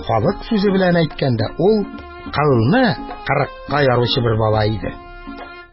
Халык сүзе белән әйткәндә, ул «кылны кырыкка яручы» бер бала иде.